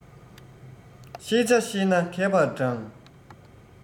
ཤེས བྱ ཤེས ན མཁས པར བགྲང